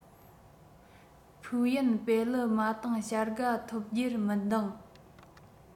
ཕུའུ ཡན པེ ལི མ ཏིང བྱ དགའ ཐོབ རྒྱུར མི འདང